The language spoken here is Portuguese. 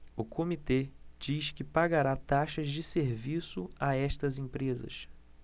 o comitê diz que pagará taxas de serviço a estas empresas